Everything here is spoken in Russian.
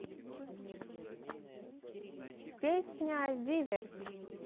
песня zivert